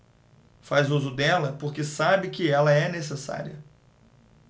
faz uso dela porque sabe que ela é necessária